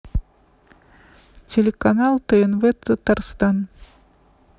телеканал тнв татарстан